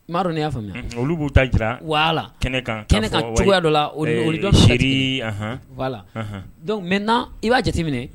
N maa dɔn'i y'a faamuya olu b'u ta jirala kɛnɛ ka cogoyaya dɔ la odɔn se waa mɛ n na i b'a jate minɛ